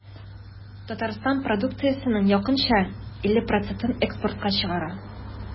Татарстан продукциясенең якынча 50 процентын экспортка чыгара.